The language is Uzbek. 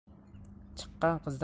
chiqqan qizdan ota